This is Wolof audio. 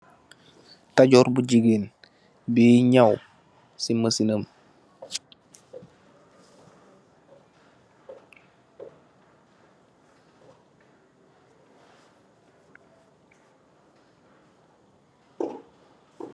Tajor bu gigeen bui ñaw ci Machin nam.